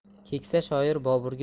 keksa shoir boburga